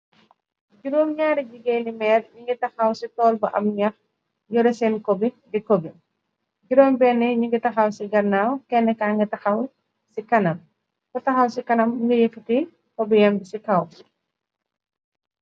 Juróom ñaari jigéeni meer ñi ngi taxaw si tool bu am ñax, yore seen kobi di kobi, juróom benne yi ñu ngi taxaw si ganaaw, kenna kangi taxaw si kanam, ku taxaw si kanam mingi yekati kobiyem bi si kaw.